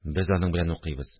– без аның белән укыйбыз